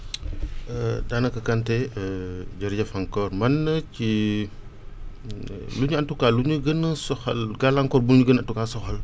daanaka Kanté jërëjëf encore man ci ñun en tout cas lu ñu gën a soxal gàllankoor bu ñu gën a en tout cas soxal